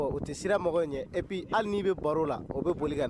O tɛ sira mɔgɔ ɲɛ et puis hali n'i bɛ baro la o bɛ boli ka